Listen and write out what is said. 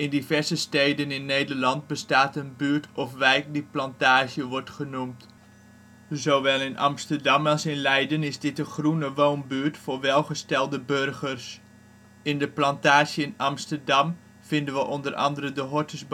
diverse steden in Nederland bestaat een buurt of wijk die Plantage wordt genoemd. Zowel in Amsterdam als in Leiden is dit een groene woonbuurt voor welgestelde burgers. In de Plantage in Amsterdam vinden we onder andere de Hortus Botanicus